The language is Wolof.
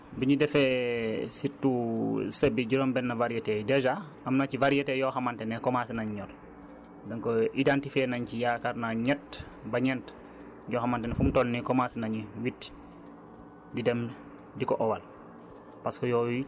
effectivement bi ñu defee surtout sëb bi juróom-benn variétés dèjà am na ci variétés yoo xamante ne commncé nañ ñor donc identifier nañ ci yaakaar naa ñett ba ñent yoo xamante ne fi mu toll nii commencé nañ witt di dem di ko owal